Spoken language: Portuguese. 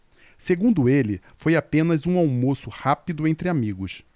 segundo ele foi apenas um almoço rápido entre amigos